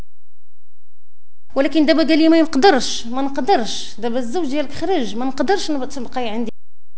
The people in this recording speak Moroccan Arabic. ولكن ما اقدرش ما اقدرش ما اقدرش